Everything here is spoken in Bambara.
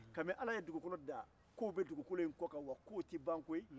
kabini ala ye dugukolo da kow be dugukolo in kɔkan wa kow te ban koyi